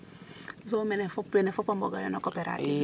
so mene fop wene fop a mboga no cooperative